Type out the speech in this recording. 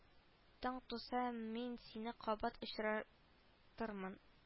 Таң туса мин сине кабат очратырмын